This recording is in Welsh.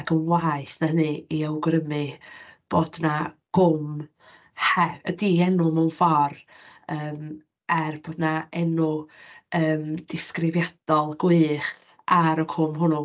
Ac yn waeth 'na hynny i awgrymu bod 'na gwm, he- di-enw mewn ffordd, yym er bod 'na enw yym disgrifiadol gwych ar y cwm hwnnw.